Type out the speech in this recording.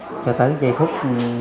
cho tới giây phút